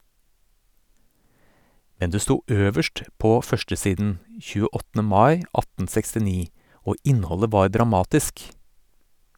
Men det sto øverst på førstesiden 28. mai 1869, og innholdet var dramatisk.